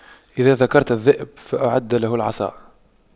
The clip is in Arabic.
إذا ذكرت الذئب فأعد له العصا